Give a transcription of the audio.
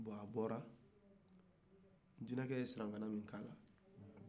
bon a bɔɔra jinacɛ ye kuma mun f'a ye